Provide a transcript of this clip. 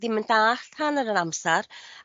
ddim yn dallt hannar yr amsar.